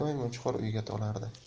doimo chuqur o'yga tolardi